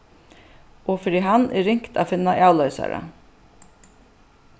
og fyri hann er ringt at finna avloysara